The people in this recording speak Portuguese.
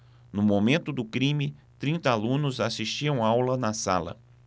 no momento do crime trinta alunos assistiam aula na sala